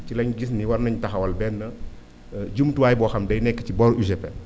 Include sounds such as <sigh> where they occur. ci lañ gis ne war nañ taxawal benn <hesitation> jumtuwaay boo xam day nekk ci booru UGPM